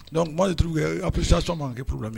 Dɔnku' de tuppi sa sɔnma ma k ke purubi min